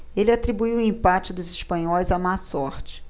ele atribuiu o empate dos espanhóis à má sorte